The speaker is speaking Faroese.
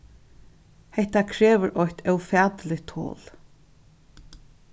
hetta krevur eitt ófatiligt tol